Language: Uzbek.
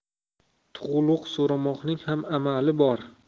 tug'uluq so'ramoqning ham a'moli bor